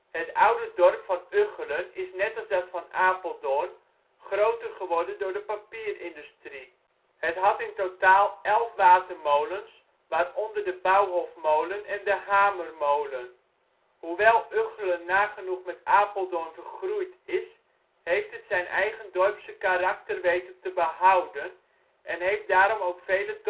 Het oude dorp van Ugchelen is net als dat van Apeldoorn groter geworden door de papierindustrie. Het had in totaal 11 watermolens, waaronder de Bouwhofmolen en De Hamermolen. Hoewel Ugchelen nagenoeg met Apeldoorn vergroeid is, heeft het zijn eigen dorpse karakter weten te behouden en heeft daarom ook vele